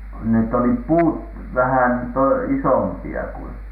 ne olivat puut vähän - isompia kuin